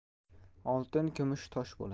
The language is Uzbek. oltin kumush tosh bo'lar